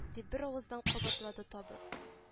— дип беравыздан кабатлады табын